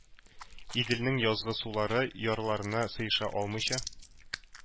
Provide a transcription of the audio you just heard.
Иделнең язгы сулары ярларына сыеша алмыйча